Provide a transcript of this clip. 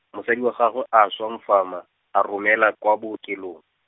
mosadi wa gagwe a swa mfama, a romelwa kwa bookelong.